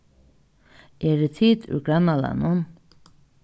eru tit úr grannalagnum